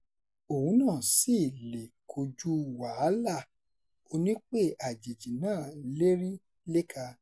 Òun náà sì lè kojúu wàhálà, onípè àjèjì náà léríléka.